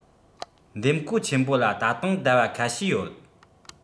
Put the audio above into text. འདེམས བསྐོ ཆེན པོ ལ ད དུང ཟླ བ ཁ ཤས ཡོད